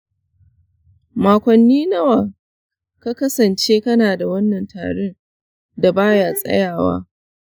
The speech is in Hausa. makonni nawa ka kasance kana da wannan tarin da baya tsayawa?